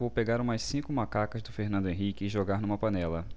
vou pegar umas cinco macacas do fernando henrique e jogar numa panela